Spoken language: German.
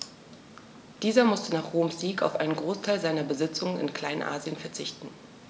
Dieser musste nach Roms Sieg auf einen Großteil seiner Besitzungen in Kleinasien verzichten.